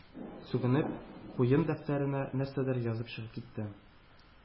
Сүгенеп, куен дәфтәренә нәрсәдер язып чыгып китте.